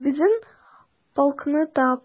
Безнең полкны тап...